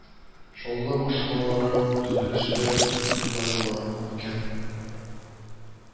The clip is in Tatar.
Чаллы машиналары төзелештә күп кулланыла икән